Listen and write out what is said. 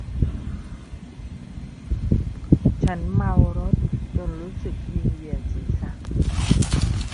ฉันเมารถจนรู้สึกวิงเวียนศีรษะ